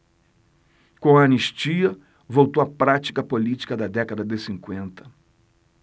com a anistia voltou a prática política da década de cinquenta